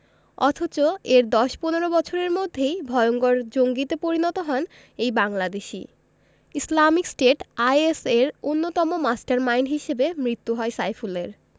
অথচ এর ১০ ১৫ বছরের মধ্যেই ভয়ংকর জঙ্গিতে পরিণত হন এই বাংলাদেশি ইসলামিক স্টেট আইএস এর অন্যতম মাস্টারমাইন্ড হিসেবে মৃত্যু হয় সাইফুলের